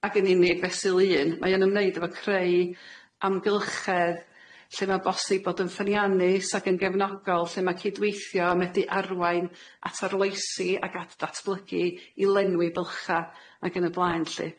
Ag yn un- fesul un mae o'n ymwneud efo creu amgylchedd lle ma'n bosib bod yn ffyniannus ag yn gefnogol, lle ma' cydweithio yn medru arwain at arloesi ag at datblygu i lenwi bylcha ag yn y blaen lly.